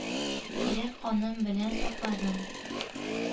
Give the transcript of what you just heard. Йөрәк каным белән сакладым.